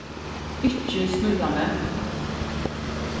ikki snýta meg